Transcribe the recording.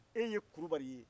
e ye kurubali ye